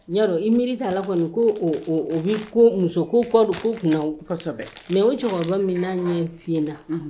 N ya dɔn i miiri t'a la kɔni ko o bɛ muso ko kɔ don k' kunna mɛ o cɛkɔrɔba min ɲɛ fi na